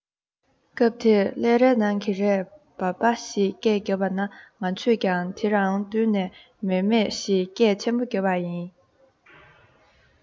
སྐབས དེར ལྷས རའི ནང གི རས བཱ བཱ ཞེས སྐད བརྒྱབ པ ན ང ཚོས ཀྱང དེ དང བསྟུན ནས མཱེ མཱེ ཞེས སྐད ཆེན པོ བརྒྱབ པ ཡིན